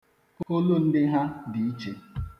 Olundi ha dị iche.